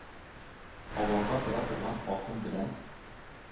Аварга тора торган атым белән,